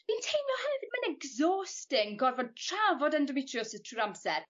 fi'n teimlo hefyd ma'n exhausting gorfod trafod *endometriosis trw'r amser